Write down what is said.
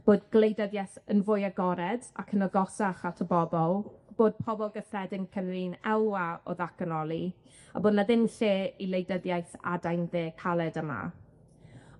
bod gwleidyddieth yn fwy agored ac yn agosach at y bobol, bod pobol gyffredin Cymru'n elwa o ddatganoli a bo' 'na ddim lle i wleidyddiaeth adain dde caled yma.